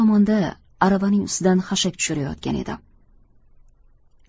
tomonda aravaning ustidan xashak tushirayotgan edim